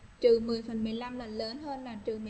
lần lớn hơn mặt trời